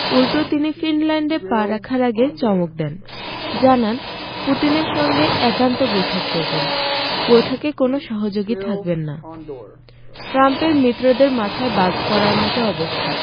উল্টো তিনি ফিনল্যান্ডে পা রাখার আগে চমক দেন জানান পুতিনের সঙ্গে একান্ত বৈঠক করবেন বৈঠকে কোনো সহযোগী থাকবেন না ট্রাম্পের মিত্রদের মাথায় বাজ পড়ার মতো অবস্থা